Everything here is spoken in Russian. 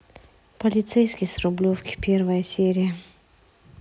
полицейский с рублевки первая серия